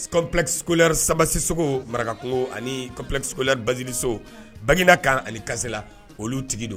Coplɛkisolila sababasiso maraka ani copkissola basisiriiriso bagina kan ani kasɛla olu tigi don